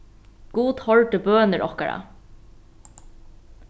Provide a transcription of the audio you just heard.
gud hoyrdi bønir okkara